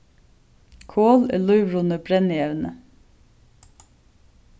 kol er lívrunnið brennievni